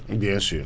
bien sur